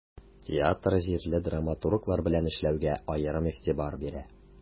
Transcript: Театр җирле драматурглар белән эшләүгә аерым игътибар бирә.